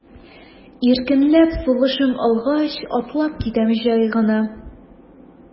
Иркенләп сулышым алгач, атлап китәм җай гына.